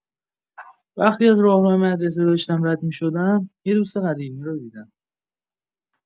وقتی از راهرو مدرسه داشتم رد می‌شدم، یه دوست قدیمی رو دیدم.